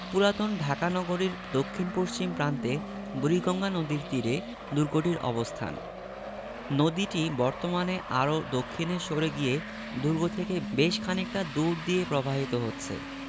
পুরাতন ঢাকা নগরীর দক্ষিণ পশ্চিম প্রান্তে বুড়িগঙ্গা নদীর তীরে দূর্গটির অবস্থান নদীটি বর্তমানে আরও দক্ষিণে সরে গিয়ে দুর্গ থেকে বেশ খানিকটা দূর দিয়ে প্রবাহিত হচ্ছে